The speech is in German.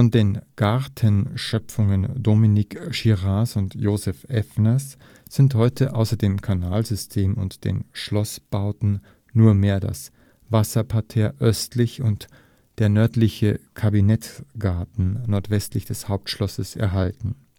den Gartenschöpfungen Dominique Girards und Joseph Effners sind heute außer dem Kanalsystem und den Schlossbauten nur mehr das Wasserparterre östlich und der Nördliche Kabinettsgarten nordwestlich des Hauptschlosses erhalten